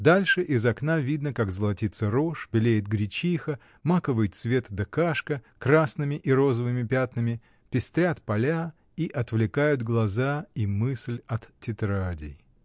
Дальше из окна видно, как золотится рожь, белеет гречиха, маковый цвет да кашка, красными и розовыми пятнами, пестрят поля и отвлекают глаза и мысль от тетрадей.